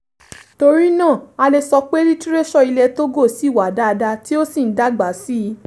Torí náà a lè sọ pé litiréṣọ̀ ilẹ̀ Togo sì wà dáadáa tí ó sì ń dàgbà síi.